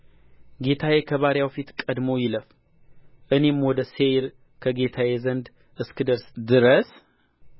ጌታዬ ከባሪያው ፊት ቀድሞ ይለፍ እኔም ወደ ሴይር ከጌታዬ ዘንድ እስክደርስ ድረስ